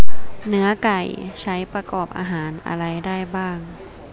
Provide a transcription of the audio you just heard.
เนื้อไก่ใช้ประกอบอาหารอะไรได้บ้าง